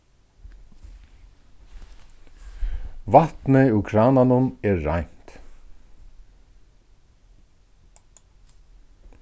vatnið úr krananum er reint